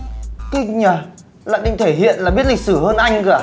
kinh nhở lại định thể hiện là biết lịch sử hơn anh cơ à